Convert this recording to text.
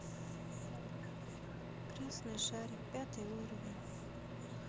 красный шарик пятый уровень